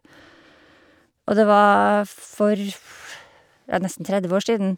Og det var for f ja, nesten tredve år siden.